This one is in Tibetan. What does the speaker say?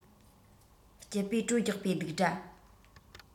སྐྱིད པོའི བྲོ རྒྱག པའི རྡིག སྒྲ